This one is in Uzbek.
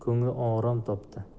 kungli orom topdi